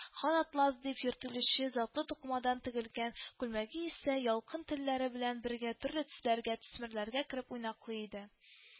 Хан-атлас дип йөртелүче затлы тукымадан тегелгән күлмәге исә ялкын телләре белән бергә төрле төсләргә, төсмерләргә кереп уйнаклый иде